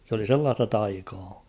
se oli sellaista taikaa